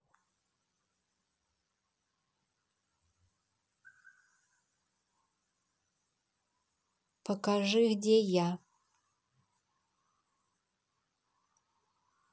покажи где я